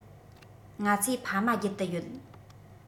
ང ཚོས ཕ མ རྒྱུད དུ ཡོད